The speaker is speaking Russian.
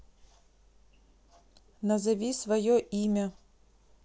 назови свое имя